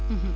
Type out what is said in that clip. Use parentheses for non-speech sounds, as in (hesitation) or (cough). (hesitation) (hesitation)